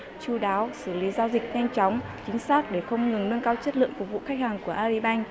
chu đáo xử lý giao dịch nhanh chóng chính xác để không ngừng nâng cao chất lượng phục vụ khách hàng của a ri banh